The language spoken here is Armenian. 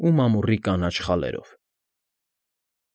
Ու մամուռի կանաչ խալերով։